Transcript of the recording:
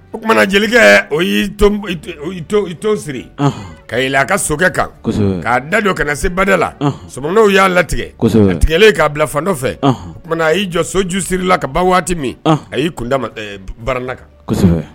Oumana jelikɛ o y'i toon siri ka a ka sokɛ kan'a da don ka se bada la sɔ y'a latigɛ a tigɛ k'a bila fan dɔ fɛ oumana a y'i jɔ soju sirila ka ba waati min a y'i kunda ba kan